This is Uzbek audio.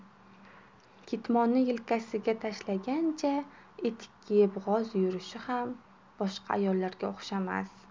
ketmonni yelkasiga tashlagancha etik kiyib g'oz yurishi ham boshqa ayollarga o'xshamas